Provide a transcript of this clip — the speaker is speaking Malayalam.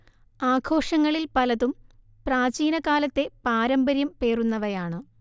ആഘോഷങ്ങളിൽ പലതും പ്രാചീനകാലത്തെ പാരമ്പര്യം പേറുന്നവയാണ്